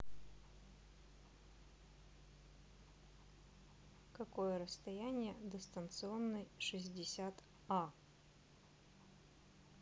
какое расстояние до станционной шестьдесят а